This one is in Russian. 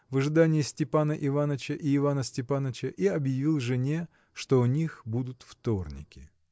в ожидании Степана Иваныча и Ивана Степаныча и объявил жене что у них будут вторники.